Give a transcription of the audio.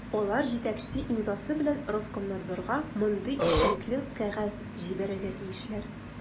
Алар җитәкче имзасы белән Роскомнадзорга мондый эчтәлекле кәгазь җибәрергә тиешләр: